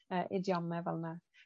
yy idiome fel 'na.